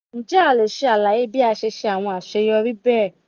Ǹjẹ́ o lè ṣe àlàyé bí a ṣe ṣe àwọn àṣeyọrí bẹ́ẹ̀?